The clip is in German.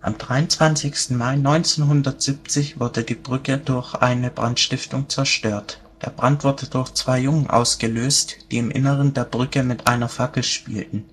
Am 23. Mai 1970 wurde die Brücke durch Brandstiftung zerstört. Der Brand wurde durch zwei Jungen ausgelöst, die im Inneren der Brücke mit einer Fackel spielten.